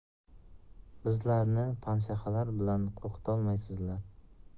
bizlarni panshaxalar bilan qo'rqitolmaysizlar